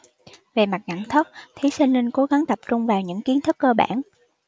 về mặt nhận thức thí sinh nên cố gắng tập trung vào những kiến thức cơ bản